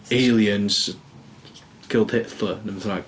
Aliens killed Hitler neu beth bynnag.